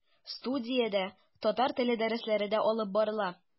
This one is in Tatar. Студиядә татар теле дәресләре дә алып барыла.